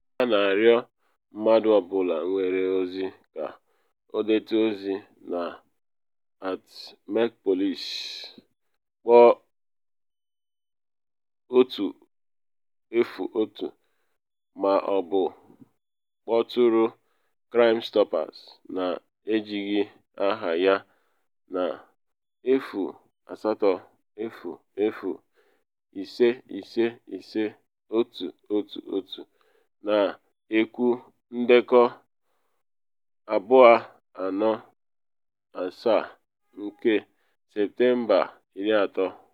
A na arịọ mmadụ ọ bụla nwere ozi ka ọ dete ozi na @MerPolCC, kpọọ 101 ma ọ bụ kpọtụrụ Crimestoppers na ejighi aha ya na 0800 555 111 na ekwu ndekọ 247 nke Septemba 30.